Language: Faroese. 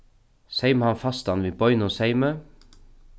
seyma hann fastan við beinum seymi